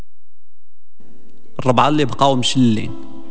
ربعي اللي بقوم شله